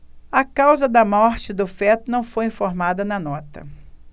a causa da morte do feto não foi informada na nota